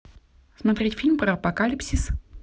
смотреть фильм про апокалипсис